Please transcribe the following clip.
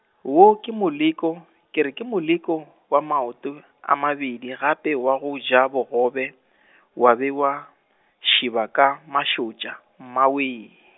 wo ke moleko, ke re ke moleko, wa maoto a mabedi gape wa go ja bogobe , wa be wa, šeba ka mašotša, mmawee.